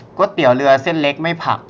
ก๋วยเตี๋ยวเรือเส้นเล็กไม่ผัก